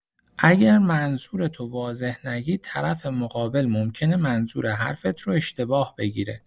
اگه منظورتو واضح نگی، طرف مقابل ممکنه منظور حرفت رو اشتباه بگیره.